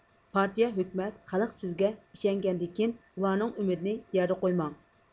پارتىيە ھۆكۈمەت خەلق سىزگە ئىشەنگەندىكىن ئۇلارنىڭ ئۈمىدىنى يەردە قويماڭ